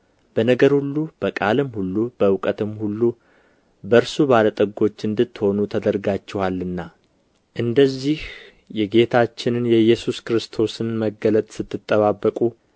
በነገር ሁሉ በቃልም ሁሉ በእውቀትም ሁሉ በእርሱ ባለ ጠጎች እንድትሆኑ ተደርጋችኋልና እንደዚህ የጌታችንን የኢየሱስ ክርስቶስን መገለጥ ስትጠባበቁ